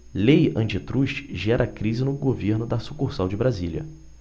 lei antitruste gera crise no governo da sucursal de brasília